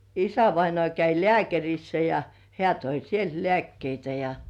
isävainaa kävi lääkärissä ja hän toi sieltä lääkkeitä ja